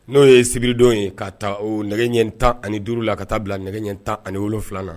N'o ye sibiiridon ye k'a ta nɛgɛ kan ɲɛ 5 la ka ta' bila nɛgɛ kan ɲɛ 17 na.